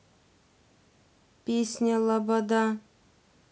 песня loboda